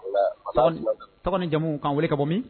Dɔgɔnin jamuw kan wele ka bɔ min